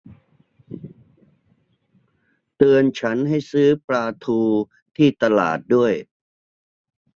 เตือนฉันให้ซื้อปลาทูที่ตลาดด้วย